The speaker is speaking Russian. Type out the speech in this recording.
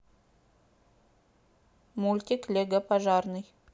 мультик лего пожарный